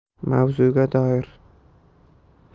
mavzuga doir